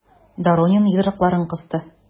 Доронин йодрыкларын кысты.